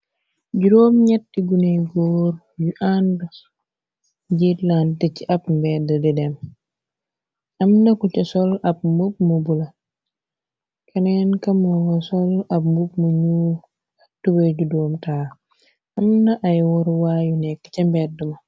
Juróom ñetti gunay góor yu ànd jiitlante ci ab mbedd di dem amna ku ca sol ab mbob mu bula keneen kamo nga sol ab mbob mu nu aktube judoom taa amna ay waruwaayu nekk ca mbedda ma.